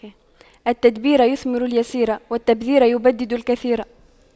التدبير يثمر اليسير والتبذير يبدد الكثير